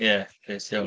Ie, blês iawn.